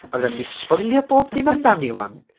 Oherwydd dan ni 'di sboilio bob dim amdani wan.